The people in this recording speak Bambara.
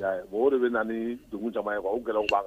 O de bɛ na ni dugu jama ye wa gɛlɛn